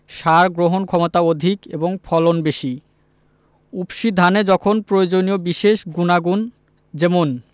সার গ্রহণক্ষমতা অধিক এবং ফলন বেশি উফশী ধানে যখন প্রয়োজনীয় বিশেষ গুনাগুণ যেমন